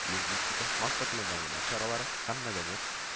Лингвистика, масса күләм мәгълүмат чаралары һәм мәдәният